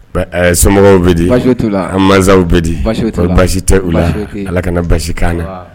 Somɔgɔww bɛ an masaw bɛ basi tɛ u la ala ka basikan